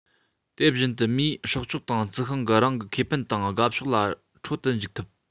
དེ བཞིན དུ མིས སྲོག ཆགས དང རྩི ཤིང ནི རང གི ཁེ ཕན དང དགའ ཕྱོགས ལ འཕྲོད དུ འཇུག ཐུབ